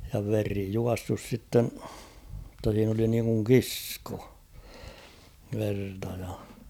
ja veri juossut sitten jotta siinä oli niin kuin kisko verta ja